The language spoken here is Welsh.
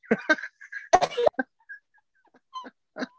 .